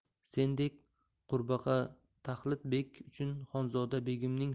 sendek qurbaqataxlit bek uchun xonzoda begimning